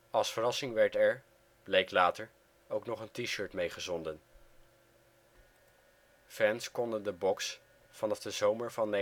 Als verrassing werd er, bleek later, ook nog een T-shirt meegezonden. Fans konden de box vanaf de zomer van 1997